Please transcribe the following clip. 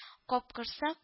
Капкорсак